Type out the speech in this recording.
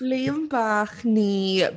Liam bach ni.